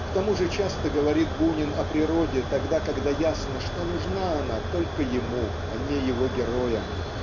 К тому же часто говорит Бунин о природе тогда когда ясно что нужна она только ему а не его героям